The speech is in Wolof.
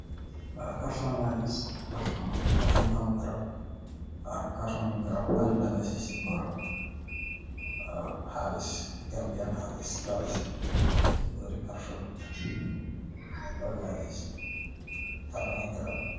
Wa karton la gis karton, karton bu am garab wa, kartoni garab aiiy dalasis cii bohram, wa halis Gambian halis dalasis cii bohri karton lolu la giss karton wi garab.